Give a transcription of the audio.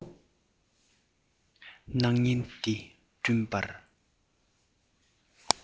སྣང བརྙན འདི བསྐྲུན པར